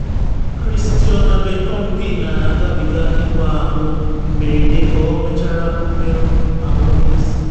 Christion Abercrombie Na Agabiga Ịwa Ahụ Mberede Ka Ọ Nwechara Mmerụ Ahụ N’isi